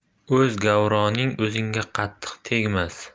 o'z gavroning o'zingga qattiq tegmas